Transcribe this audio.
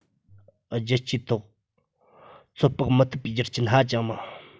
རྒྱལ སྤྱིའི ཐོག ཚོད དཔག མི ཐུབ པའི རྒྱུ རྐྱེན ཧ ཅང མང